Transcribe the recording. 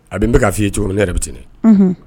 nbɛk'a f'i ye jogomi ne yɛrɛ bɛ te dɛ